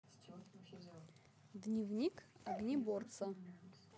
дневник огнеборца